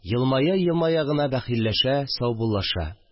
Елмая-елмая гына бәхилләшә, саубуллаша